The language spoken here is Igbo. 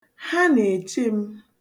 Ha na-eche m.